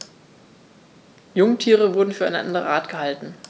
Jungtiere wurden für eine andere Art gehalten.